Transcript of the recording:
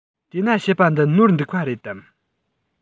དེ ན བཤད པ འདི ནོར འདུག པ རེད དམ